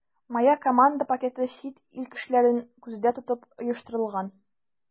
“моя команда” пакеты чит ил кешеләрен күздә тотып оештырылган.